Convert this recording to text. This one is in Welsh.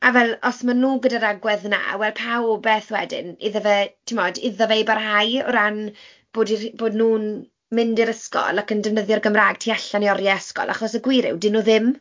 A fel os maen nhw gyda'r agwedd yna, wel pa obaith wedyn iddo fe, timod, iddo fe barhau o ran bod eu rhi- bod nhw'n mynd i'r ysgol ac yn defnyddio'r Gymraeg tu allan i oriau ysgol. Achos y gwir yw, dyw nhw ddim.